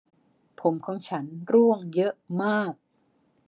ผมของฉันร่วงเยอะมาก